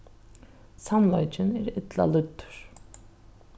sannleikin er illa lýddur